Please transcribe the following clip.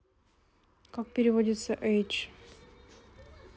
как переводится age